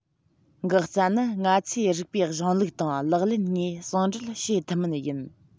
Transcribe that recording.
འགག རྩ ནི ང ཚོས རིགས པའི གཞུང ལུགས དང ལག ལེན དངོས ཟུང འབྲེལ བྱེད ཐུབ མིན ཡིན